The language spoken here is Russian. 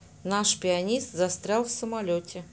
наш пианист застрял в самолете